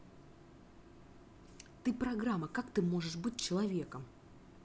ты программа как ты можешь быть человеком